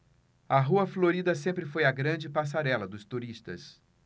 a rua florida sempre foi a grande passarela dos turistas